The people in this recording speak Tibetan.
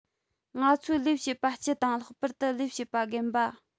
ང ཚོའི ལས བྱེད པ སྤྱི དང ལྷག པར དུ ལས བྱེད པ རྒན པ